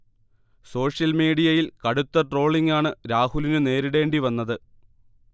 social മിഡീയയിൽ കടുത്ത ട്രോളിംഗ്ആണു രാഹുലിനു നേരിടേണ്ടിവന്നത്